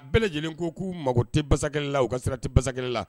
Bɛɛ lajɛlen ko k'u mago tɛ basa kɛlɛ la, u ka sira tɛ basa kɛlɛ la